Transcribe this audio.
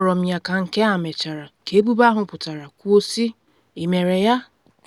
Akpọrọ m ya ka nke a mechara, ka ebubo ahụ pụtara, kwuo sị, ‘Ị mere ya?